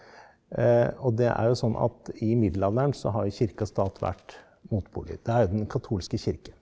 og det er jo sånn at i middelalderen så har jo kirke og stat vært motpoler det er jo den katolske kirke.